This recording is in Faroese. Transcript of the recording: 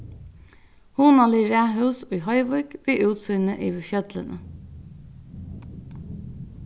hugnalig raðhús í hoyvík við útsýni yvir fjøllini